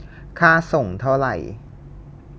ค่าส่งเท่าไหร่